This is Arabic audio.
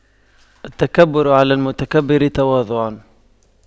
التكبر على المتكبر تواضع